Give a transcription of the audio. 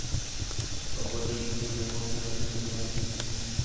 погода в екатеринбурге на выходные